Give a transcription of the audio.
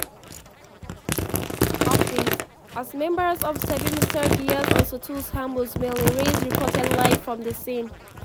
[Update] As members of SEBIN searched Diaz's and Soto's home, Luz Mely Reyes reported live from the scene.